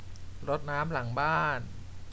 รดน้ำหลังบ้าน